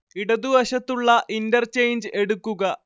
ഇടതുവശത്തുള്ള ഇന്റർചെയ്ഞ്ച് എടുക്കുക